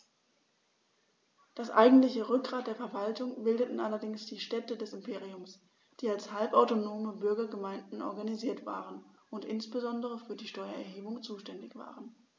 Das eigentliche Rückgrat der Verwaltung bildeten allerdings die Städte des Imperiums, die als halbautonome Bürgergemeinden organisiert waren und insbesondere für die Steuererhebung zuständig waren.